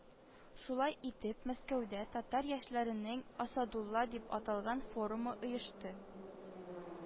Шулай итеп Мәскәүдә татар яшьләренең «Асадулла» дип аталган форумы оешты